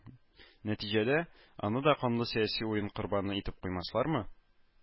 Нәтиҗәдә, аны да канлы сәяси уен корбаны итеп куймаслармы